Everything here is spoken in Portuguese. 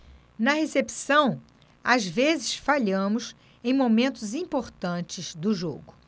na recepção às vezes falhamos em momentos importantes do jogo